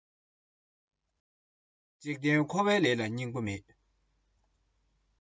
འཇིག རྟེན འཁོར བའི ལས ལ སྙིང པོ མེད